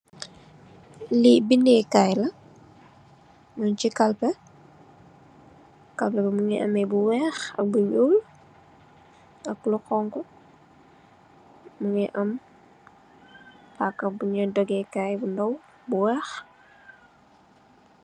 Li bindé kay la mun ci kalpèh, kalpèh bi mugii ameh bu wèèx ak bu ñuul ak lu xonxu mugii am paaka bu ño dogee Kay bu ndaw bu wèèx.